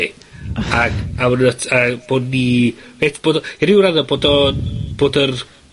i ac awn at yy bod ni, bod o, i ryw radde bod o'n, bod yr